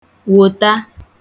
wòta